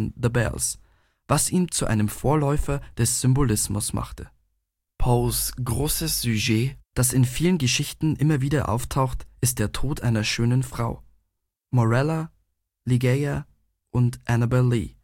The Bells), was ihn zu einem Vorläufer des Symbolismus machte. Poes großes Sujet, das in vielen Geschichten immer wieder auftaucht, ist der Tod einer schönen Frau (Morella, Ligeia, Annabel Lee